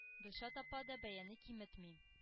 Гөлшат апа да бәяне киметми.